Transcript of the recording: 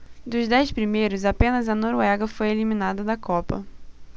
dos dez primeiros apenas a noruega foi eliminada da copa